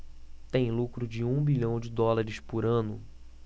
tem lucro de um bilhão de dólares por ano